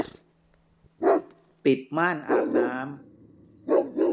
ปิดม่านอาบน้ำ